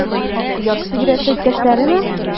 Ярсу йөрәкле иптәшләреме?